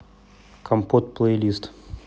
компот плейлист